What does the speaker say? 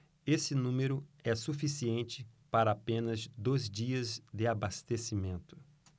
esse número é suficiente para apenas dois dias de abastecimento